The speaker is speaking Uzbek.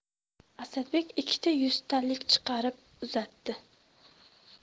asadbek ikkita yuztalik chiqarib uzatdi